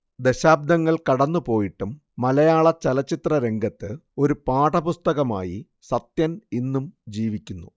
ദശാബ്ദങ്ങൾ കടന്നുപോയിട്ടും മലയാള ചലച്ചിത്ര രംഗത്ത് ഒരു പാഠപുസ്തകമായി സത്യൻ ഇന്നും ജീവിക്കുന്നു